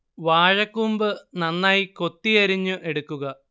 വാഴക്കൂമ്പ് നന്നായി കൊത്തി അരിഞ്ഞു എടുക്കുക